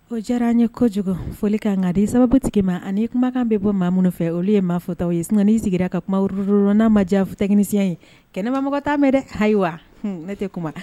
O diyara an ye ko kojugu foli ka kan nkagadi sababu tigɛ ma ni kumakan bɛ bɔ maa minnu fɛ olu ye maa fɔtɔw ye s' sigira ka kumarurl n'a ma jantsiya ye kɛnɛmamɔgɔ tan mɛn dɛ haliyi wa ne tɛ kuma la